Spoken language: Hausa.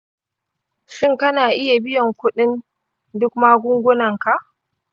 shin kana iya biyan kuɗin duk magungunanka?